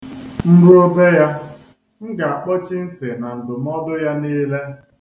M rue be ya, m ga-akpọchi ntị na ndụmọdu ya niile.